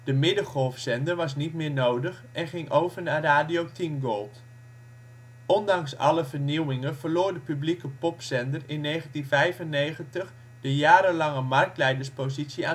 middengolfzender was niet meer nodig, en ging over naar Radio 10 Gold. Ondanks alle vernieuwingen verloor de publieke popzender in 1995 de jarenlange marktleiderspositie